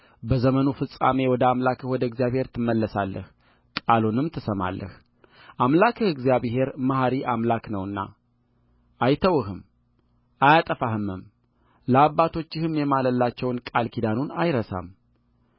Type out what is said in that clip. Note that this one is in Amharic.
በዘመኑ ፍጻሜ ወደ አምላክህ ወደ እግዚአብሔር ትመለሳለህ ቃሉንም ትሰማለህአምላክህ እግዚአብሔር መሐሪ አምላክ ነውና አይተውህም አያጠፋህምም ለአባቶችህም የማለላቸውን ቃል ኪዳኑን አይረሳም